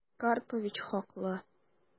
Карпович хаклы...